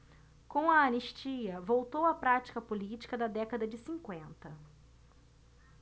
com a anistia voltou a prática política da década de cinquenta